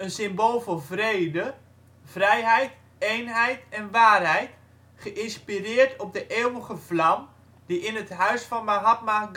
symbool voor vrede, vrijheid, eenheid en waarheid, geïnspireerd op de eeuwige vlam die in het huis van Mahatma